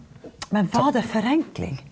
men var det forenkling?